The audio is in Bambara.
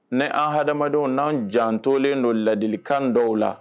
Ne an hadamadenw n'an jantolen don ladilikan dɔw la